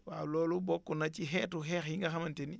waaw loolu bokk na ci xeetu xeex yi nga xamante ni